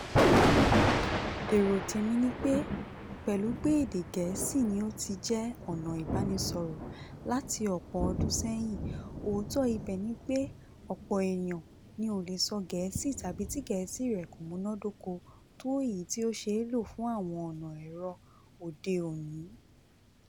Èro tèmí ni pé pẹ́lú pé èdè Gẹ̀ẹ́sì ni ó ti jẹ́ ọ̀nà ìbánisọ̀rọ̀ láti ọ̀pọ̀ ọdún sẹ́yìn, òótọ́ ibẹ̀ ni pé ọ̀pọ̀ eèyàn ni ò lè sọ Gẹ̀ẹ́sì tàbí tí Gẹ̀ẹ́sì rẹ̀ kó múnàdóko tó èyí tí tó ṣéè ló fún àwọn ọ̀nà ẹ̀rọ òde òní.